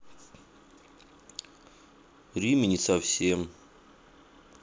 римини совсем